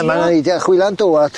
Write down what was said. Yy ma' n'w'n neidio chwylan dywod.